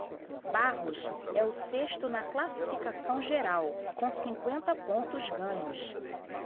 barros é o sexto na classificação geral com cinquenta pontos ganhos